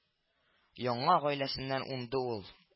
Яңа гаиләсеннән уңды ул